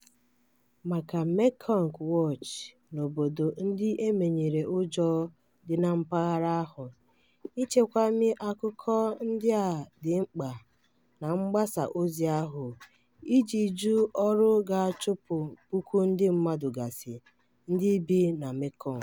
Maka Mekong Watch na obodo ndị e menyere ụjọ dị na mpaghara ahụ, ichekwami akukọ ndị a dị mkpa na mgbasa ozi ahụ iji jụ ọrụ ga-achụpụ puku ndị mmadụ gasị ndị bi na Mekong.